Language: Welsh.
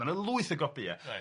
Ma' na lwyth o gopïau reit.